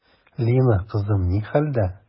Лина кызым ни хәлдә?